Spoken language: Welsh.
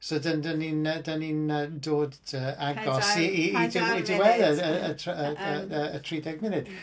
So d- d- dan ni'n dan ni'n yy dod agos y tri deg munud.